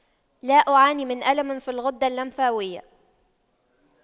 لا أعاني من ألم في الغدة اللمفاوية